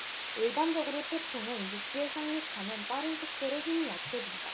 일반적으로 태풍은 육지에 상륙하면 빠른 속도로 힘이 약해진다